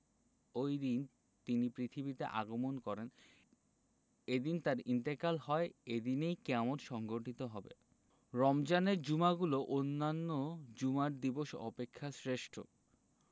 ঐ দিন তিনি পৃথিবীতে আগমন করেন এদিন তাঁর ইন্তেকাল হয় এদিনেই কিয়ামত সংঘটিত হবে রমজানের জুমাগুলো অন্যান্য জুমার দিবস অপেক্ষা শ্রেষ্ঠ